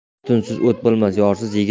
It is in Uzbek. tutunsiz o't bo'lmas yorsiz yigit